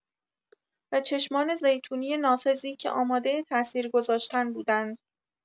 و چشمان زیتونی نافذی که آماده تاثیر گذاشتن بودند.